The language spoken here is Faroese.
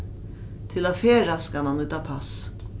til at ferðast skal mann nýta pass